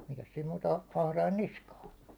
mikäs siinä muuta - atrain niskaan